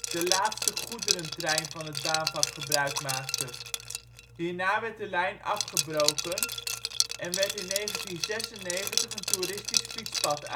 de laatste goederentrein van het baanvak gebruik maakte. Hierna werd de lijn afgebroken, en werd in 1996 een toeristisch fietspad aangelegd